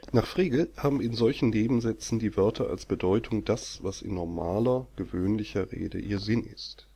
Nach Frege haben in solchen (Neben -) Sätzen die Wörter als Bedeutung das, was in normaler „ gewöhnlicher “Rede ihr Sinn ist